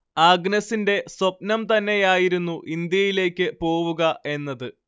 ആഗ്നസിന്റെ സ്വപ്നം തന്നെയായിരുന്നു ഇന്ത്യയിലേക്ക് പോവുക എന്നത്